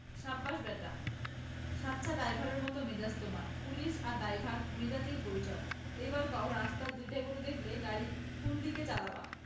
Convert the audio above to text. সাব্বাস ব্যাটা সাচ্চা ড্রাইভারের মত মেজাজ তোমার পুলিশ আর ড্রাইভার মেজাজেই পরিচয় এইবার কও রাস্তায় দুইটা গরু দেখলে গাড়ি কোনদিকে চালাবা